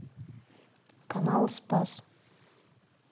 канал спас